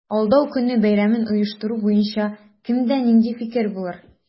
Алдау көне бәйрәмен оештыру буенча кемдә нинди фикер булыр?